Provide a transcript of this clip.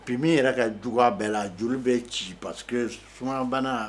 Bi min yɛrɛ ka jugu a bɛɛ la joli bɛ ci parce que s sumaya bana